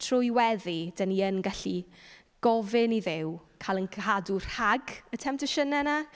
Trwy weddi, dan ni yn gallu gofyn i Dduw cael ein cadw rhag y temptasiynau 'na.